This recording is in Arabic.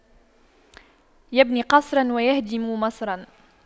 يبني قصراً ويهدم مصراً